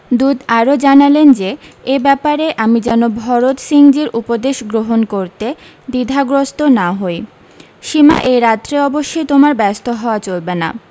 দূত আরও জানালেন যে এ ব্যাপারে আমি যেন ভরত সিংজীর উপদেশ গ্রহন করতে দ্বিধাগ্রস্ত না হৈ সীমা এই রাত্রে অবশ্যি তোমার ব্যস্ত হওয়া চলবে না